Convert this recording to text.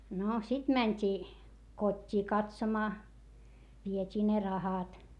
no sitten mentiin kotiin katsomaan vietiin ne rahat